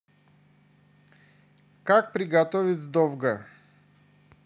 как приготовить довга